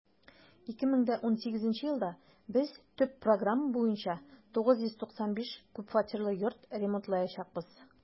2018 елда без төп программа буенча 995 күп фатирлы йорт ремонтлаячакбыз.